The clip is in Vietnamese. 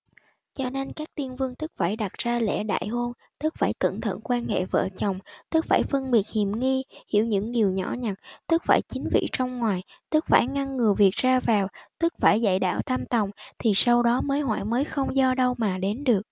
cho nên các tiên vương tất phải đặt ra lễ đại hôn tất phải cẩn thận quan hệ vợ chồng tất phải phân biệt hiềm nghi hiểu những điều nhỏ nhặt tất phải chính vị trong ngoài tất phải ngăn ngừa việc ra vào tất phải dạy đạo tam tòng thì sau đó mối họa mới không do đâu mà đến được